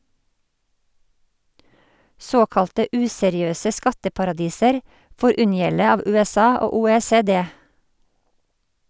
Såkalte useriøse skatteparadiser får unngjelde av USA og OECD.